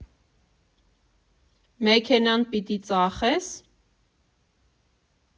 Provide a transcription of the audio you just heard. Մեքենան պիտի ծախե՞ս։